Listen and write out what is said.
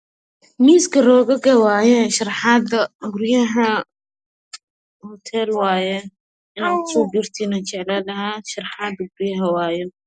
Miiska roogaga wayee sharaxaada guryaha hotel waaye inaa kusoo biirtiinaa jeclaan lahaa sharxaada guryaha waye